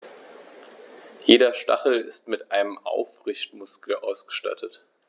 Jeder Stachel ist mit einem Aufrichtemuskel ausgestattet.